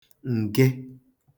ǹge